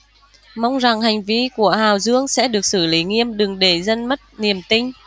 mong rằng hành vi của hào dương sẽ được xử lý nghiêm đừng để dân mất niềm tin